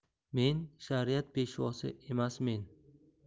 men shariat peshvosi emasmen